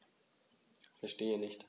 Verstehe nicht.